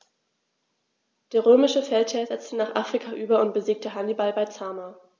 Der römische Feldherr setzte nach Afrika über und besiegte Hannibal bei Zama.